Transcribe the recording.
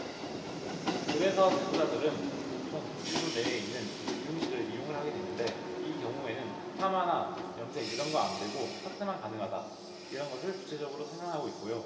그래서 재소자들은 보통 구치소 내에 있는 미용실을 이용을 하게 되는데 이 경우에는 파마나 염색 이런 거 안 되고 커트만 가능하다 이런 것을 구체적으로 설명하고 있고요